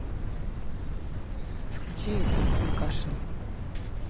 включи ютуб кашин